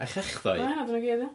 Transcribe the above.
Echechdoe? Wel na dyna gyd ia?